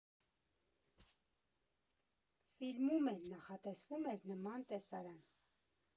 Ֆիլմում էլ նախատեսվում էր նման տեսարան։